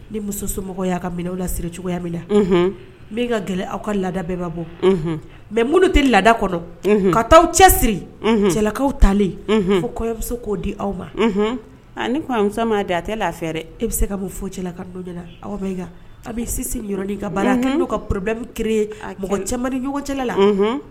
Ni muso somɔgɔ y' ka minɛw la siri cogoya min na n bɛ ka gɛlɛ aw ka laadada bɛɛba bɔ mɛ minnu tɛ laada kɔnɔ ka taaaw cɛ siri cɛlakaw talen fo kɔmuso k'o di aw ma ni ko m'a di a tɛ lafiɛrɛ e bɛ se ka bɔ fɔ cɛla ka don la aw bɛ aw bɛ yɔrɔ di ka baara kɛ n'o ka pdabi kiiri mɔgɔ cɛma ɲɔgɔn cɛla la